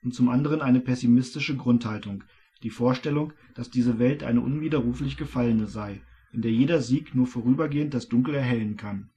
zum anderen eine pessimistische Grundhaltung, die Vorstellung, dass diese Welt eine unwiderruflich gefallene sei, in der jeder Sieg nur vorübergehend das Dunkel erhellen kann